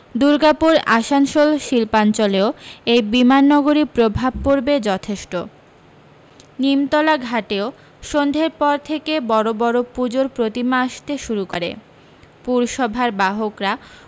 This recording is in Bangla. দুর্গাপুর আসানসোল শিল্পাঞ্চলেও এই বিমাননগরীর প্রভাব পড়বে যথেষ্ট নিমতলা ঘাটেও সন্ধের পর থেকে বড় বড় পূজোর প্রতিমা আসতে শুরু করে পুরসভার বাহকরা